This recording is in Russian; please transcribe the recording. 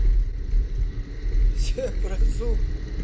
зебра зу